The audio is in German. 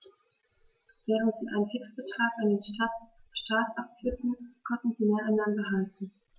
Während sie einen Fixbetrag an den Staat abführten, konnten sie Mehreinnahmen behalten.